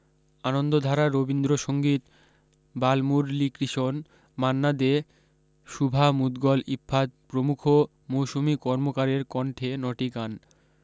আনন্দধারা রবীন্দ্রসংগীত বালমুরলিকৃষণ মান্না দে শুভা মুদগল ইফফাত প্রমুখ মৌসুমি কর্মকারের কণ্ঠে নটি গান